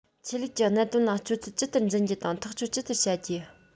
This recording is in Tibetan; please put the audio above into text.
ཆོས ལུགས ཀྱི གནད དོན ལ སྤྱོད ཚུལ ཇི ལྟར འཛིན རྒྱུ དང ཐག གཅོད ཇི ལྟར བྱ རྒྱུ